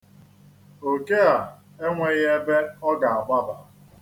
Oke a enweghị ebe ọ ga-agbaba.